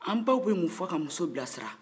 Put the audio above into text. an baw bɛ mun fɔ ka musow bilasira